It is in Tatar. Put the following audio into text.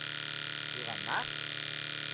Куйганнар